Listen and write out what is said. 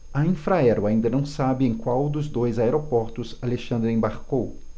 a infraero ainda não sabe em qual dos dois aeroportos alexandre embarcou